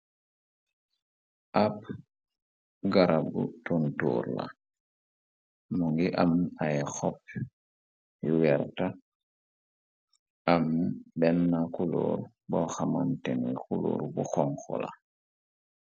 Ab garab tontoor la mu ngi am ay xopp yu weerta am benna kuloor bo xamanteni xuloor bu xonxola.